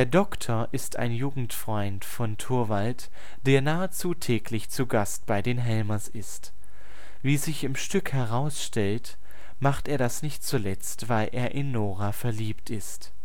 Doktor ist ein Jugendfreund von Helmer/Torvald, der nahezu täglich zu Gast bei Helmer und Nora ist. Wie sich im Stück herausstellt, macht er das nicht zuletzt, weil er in Nora verliebt ist